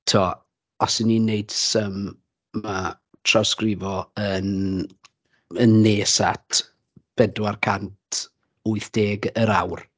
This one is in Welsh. Tibod, os 'y ni'n wneud sym, ma' trawsgrifo yn yn nes at bedwar cant wyth deg yr awr.